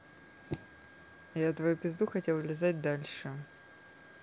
я твою пизду хотел лизать дальше